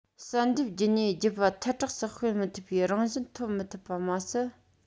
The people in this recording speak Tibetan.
བསལ འདེམས བརྒྱུད ནས རྒྱུད པ ཐལ དྲགས སུ སྤེལ མི ཐུབ པའི རང བཞིན ཐོབ མི ཐུབ པ མ ཟད